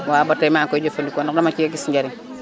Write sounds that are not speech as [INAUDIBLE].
waaw ba tey maa ngi koy jafandikoo [CROSSTALK] ndax dama cee gis njariñ